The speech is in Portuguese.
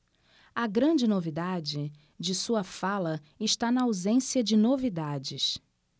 a grande novidade de sua fala está na ausência de novidades